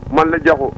man la Diakhou